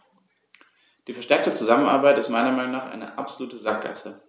Die verstärkte Zusammenarbeit ist meiner Meinung nach eine absolute Sackgasse.